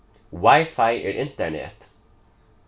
wifi er internet